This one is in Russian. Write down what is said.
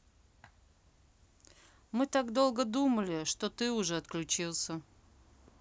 мы так долго думали что ты уже отключился